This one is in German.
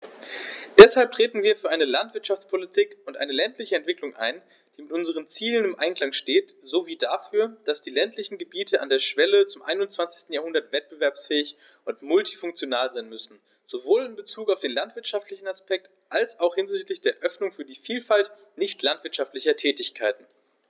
Deshalb treten wir für eine Landwirtschaftspolitik und eine ländliche Entwicklung ein, die mit unseren Zielen im Einklang steht, sowie dafür, dass die ländlichen Gebiete an der Schwelle zum 21. Jahrhundert wettbewerbsfähig und multifunktional sein müssen, sowohl in Bezug auf den landwirtschaftlichen Aspekt als auch hinsichtlich der Öffnung für die Vielfalt nicht landwirtschaftlicher Tätigkeiten.